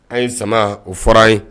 A' ye sama o fɔra ye